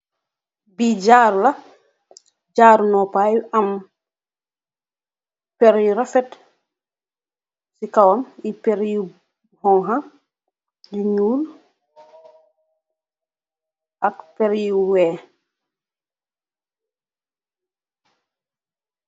Bii jaarou la, jaarou nopah yu amm pehrr yu rafet ci kawam, e pehrr yu honha, yu njull ak pehrr yu wekh.